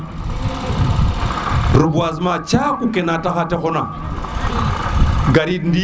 reboisement caku kana taxa te xona